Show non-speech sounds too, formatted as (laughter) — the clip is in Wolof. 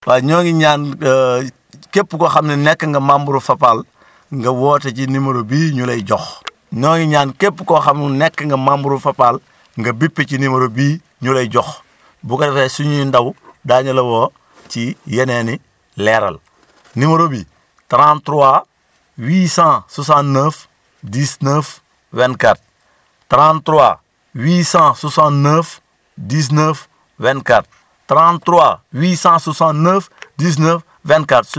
waaw ñoo ngi ñaan (hesitation) képp koo xam ne nekk nga membre Fapal (breath) nga woote ci numéro bii ñu lay jox (noise) ñoo ngi ñaan képp koo xam nekk nga membre Fapal nga bipé ci numéro bii ñu lay jox bu ko defee suñuy ndaw daañu la woo ci yeneen i leeral numéro bi 33 869 19 24 33 869 19 24 33 869 19 24 su